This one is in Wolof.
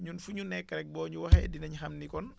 ñun fu ñu nekk boo ñu waxee dinañ xam ni kon